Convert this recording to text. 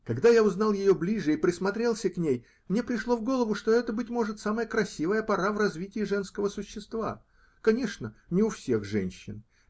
Когда я узнал ее ближе и присмотрелся к ней, мне пришло в голову, что это, быть может, самая красивая пора в развитии женского существа. Конечно, не у всех женщин.